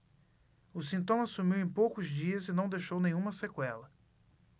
o sintoma sumiu em poucos dias e não deixou nenhuma sequela